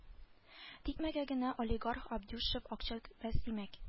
Тикмәгә генә олигарах абдюшев акча түкмәс димәк